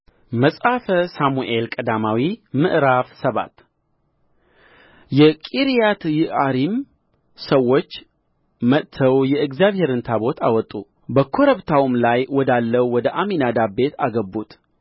መጽሐፈ ሳሙኤል ቀዳማዊ ምዕራፍ ሰባት የቂርያትይዓሪም ሰዎችም መጥተው የእግዚአብሔርን ታቦት አወጡ በኮረብታውም ላይ ወዳለው ወደ አሚናዳብ ቤት አገቡት